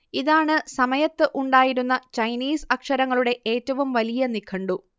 ഇതാണ് സമയത്ത് ഉണ്ടായിരുന്ന ചൈനീസ് അക്ഷരങ്ങളുടെഏറ്റവും വലിയ നിഘണ്ടു